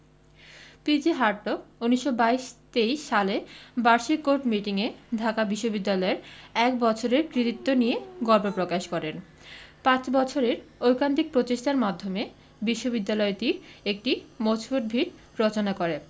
P J Hartog ১৯২২ ২৩ সালে বার্ষিক court meeting এ ঢাকা বিশ্ববিদ্যালয়ের এক বছরের কৃতিত্ব নিয়ে গর্ব প্রকাশ করেন পাঁচ বছরের ঐকান্তিক প্রচেষ্টার মাধ্যমে বিশ্ববিদ্যালয়টির একটি মজবুত ভিত রচনা করে